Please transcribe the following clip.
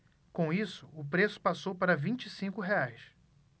com isso o preço passou para vinte e cinco reais